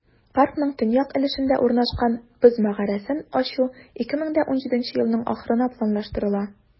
Паркның төньяк өлешендә урнашкан "Боз мәгарәсен" ачу 2017 елның ахырына планлаштырыла.